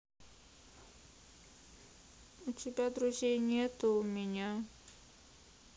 у тебя друзей нету у меня